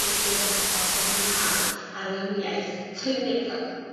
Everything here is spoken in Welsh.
i iddo yy i ni ca'l arweiniaeth clinical...